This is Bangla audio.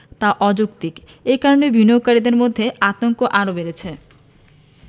তা অযৌক্তিক এ কারণে বিনিয়োগকারীদের মধ্যে আতঙ্ক আরও বেড়েছে